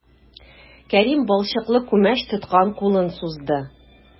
Кәрим балчыклы күмәч тоткан кулын сузды.